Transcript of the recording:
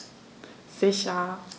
Sicher.